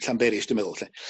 Llanberis dwi meddwl 'lly.